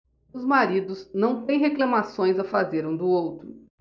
os maridos não têm reclamações a fazer um do outro